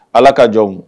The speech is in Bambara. Ala ka jɔnw